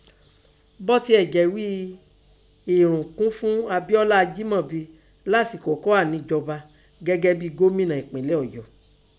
Bọ́ tiẹ̀ jẹ́ ghíi ẹrun kun Abíọ́lá Ajímọ̀bi lásìkò kọ́ hà nẹ̀jọba gẹ́gẹ́ bín gómìnà ẹ̀pínlẹ̀ Ọ̀yọ́.